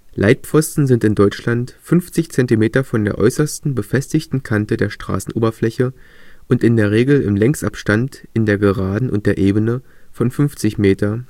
Leitpfosten sind in Deutschland 50 Zentimeter von der äußersten befestigten Kante der Straßenoberfläche und in der Regel im Längsabstand in der Geraden und der Ebene von 50 Meter